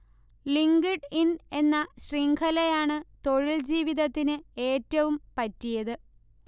linked in എന്ന ശൃഖലയാണ് തൊഴിൽജീവിതത്തിന് ഏറ്റവും പറ്റിയത്